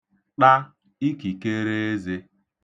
ṭa ikikereezē